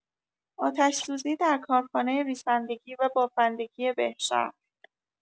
آتش‌سوزی در کارخانه ریسندگی و بافندگی بهشهر